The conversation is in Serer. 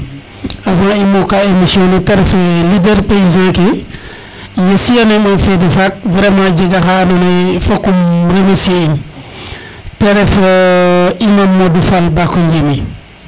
avant i muka émission ne te ref leaders paysan ke ye sioner ema fede faak vraiment a jega xa ando naye fok um remercier in te ref Imam Madou Fall Mbako Njeme